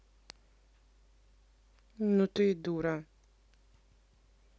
ну ты и дура